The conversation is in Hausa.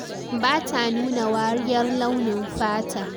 Bata nuna wariyar launin fata.